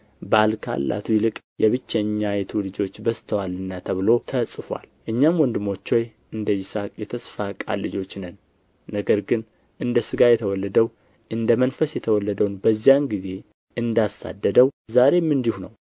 ባል ካላቱ ይልቅ የብቸኛይቱ ልጆች በዝተዋልና ተብሎ ተጽፎአል እኛም ወንድሞች ሆይ እንደ ይስሐቅ የተስፋ ቃል ልጆች ነን